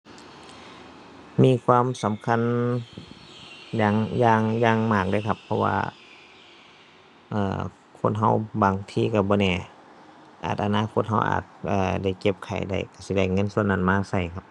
มีความสำคัญ อย่าง อย่าง อย่างมากเลยครับเพราะว่า เอ่อ คนเราบางทีเราบ่แน่ อาจอนาคตเราอาจ อ่า ได้เจ็บไข้ได้ สิได้เงินส่วนนั้นมาเราครับ